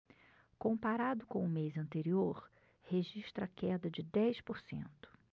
comparado com o mês anterior registra queda de dez por cento